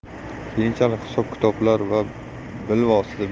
keyinchalik hisob kitoblar va bilvosita